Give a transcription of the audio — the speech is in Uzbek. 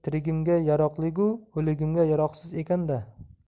tirigimga yaroqligu o'ligimga yaroqsiz ekan da